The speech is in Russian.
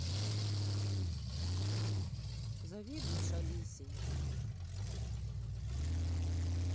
завидуешь алисе